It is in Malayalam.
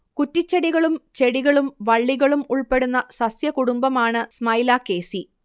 കുറ്റിച്ചെടികളും ചെടികളും വള്ളികളും ഉൾപ്പെടുന്ന സസ്യകുടുംബമാണ് സ്മൈലാക്കേസീ